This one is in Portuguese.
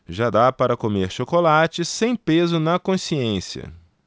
já dá para comer chocolate sem peso na consciência